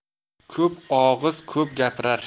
ko'p og'iz ko'p gapirar